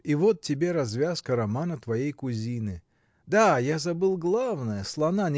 И вот тебе развязка романа твоей кузины! Да, я забыл главное — слона.